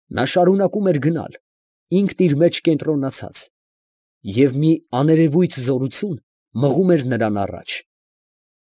Նա շարունակում էր գնալ, ինքն իր մեջ կենտրոնացած. և մի աներևույթ զորություն մղում էր նրան առաջ…։